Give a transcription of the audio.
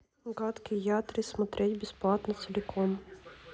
гадкий я три смотреть бесплатно целиком